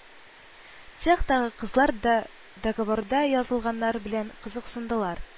Цехтагы кызлар да договорда язылганнар белән кызыксындылар: